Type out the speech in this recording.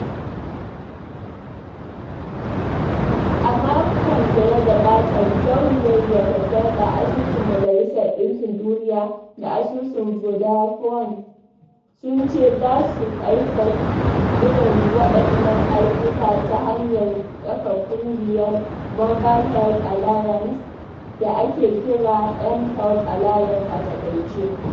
A makon da ya gabata, Gidauniyar Rockefeller, Asusun Majalisar Dinkin Duniya, da Asusun Vodafone sun ce za su ƙarfafi irin waɗannan ayyuka ta hanyar kafa ƙungiyar Mobile Health Alliance da ake kira (mHealth Alliance) a taƙaice.